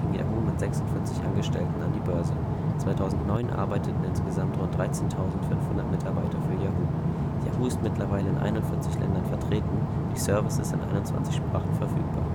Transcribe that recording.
Yahoo mit 46 Angestellten an die Börse. 2009 arbeiteten insgesamt rund 13.500 Mitarbeiter für Yahoo. Yahoo ist mittlerweile in 41 Ländern vertreten, die Services in 21 Sprachen verfügbar